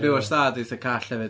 Byw ar stad eitha call hefyd.